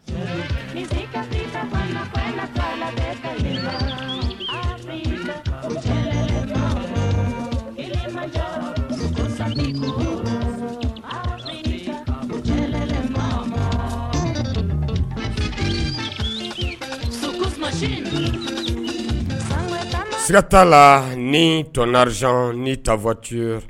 Igata la ni tz ni tati